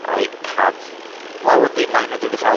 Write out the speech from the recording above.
Ipad, wel yndy mae nw 'di ryddhau...